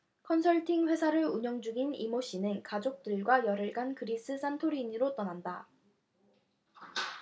컨설팅 회사를 운영 중인 이 모 씨는 가족들과 열흘간 그리스 산토리니로 떠난다